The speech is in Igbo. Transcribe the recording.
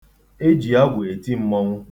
E ji agwọ eti mmọnwụ.